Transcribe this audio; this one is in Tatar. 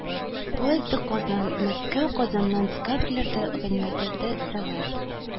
Поезды казан – мәскәү казаннан декабрьләрдә, гыйнварларда сәгать